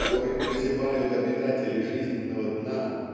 в которой прозябают обитатели жизненного дна